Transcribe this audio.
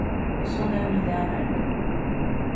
og so nevnir lærarin